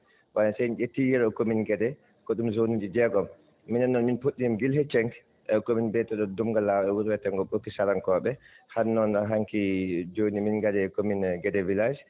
mbay so en ƴettii yeru commune Guédé ko ɗum zone uuji jeegom minen noon min puɗɗii heen gila hecci hanki e commune mbiyetee ɗo Doumgua Law wuro wiyetengo Ɓokki sarankoɓe han noon hanki jooni min ngarii e commune Guédé village